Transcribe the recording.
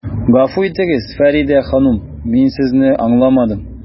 Гафу итегез, Фәридә, мин Сезне аңламадым.